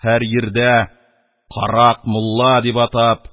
Һәр йирдә «карак мулла» дип атап,